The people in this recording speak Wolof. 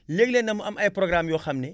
léeg-léeg nag mu am ay programmes yoo xam ne